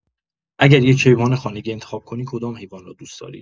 اگر یک حیوان خانگی انتخاب کنی کدام حیوان را دوست‌داری؟